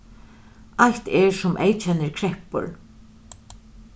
eitt er sum eyðkennir kreppur